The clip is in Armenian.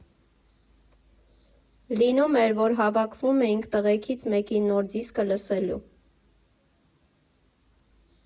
Լինում էր, որ հավաքվում էինք տղեքից մեկի նոր դիսկը լսելու։